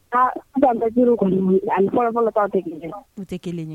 Aa sisan demisɛnniw kɔni ani fɔfɔ-fɔlɔ taw te 1 ye u te 1 ye